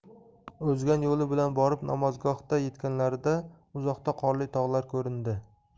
o'zgan yo'li bilan borib namozgohga yetganlarida uzoqda qorli tog'lar ko'rindi